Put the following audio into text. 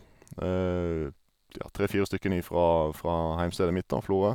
Tja, tre fire stykker ifra fra heimstedet mitt, da, Florø.